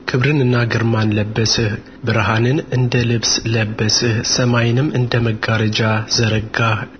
ክብርንና ግርማን ለበስህ ብርሃንን እንደ ልብስ ለበስህ ሰማይንም እንደ መጋረጃ ዘረጋህ